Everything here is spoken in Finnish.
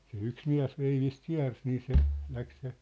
se yksi mies veivistä kiersi niin se lähti se